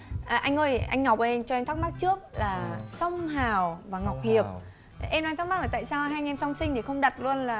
anh ơi anh ngọc ơi anh cho em thắc mắc trước là song hào và ngọc hiệp em đang thắc mắc là tại sao hai anh em song sinh thì không đặt luôn là